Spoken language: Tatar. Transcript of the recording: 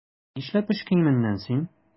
Нишләп эш киеменнән син?